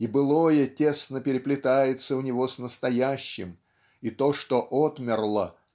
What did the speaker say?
и былое тесно переплетается у него с настоящим и то что отмерло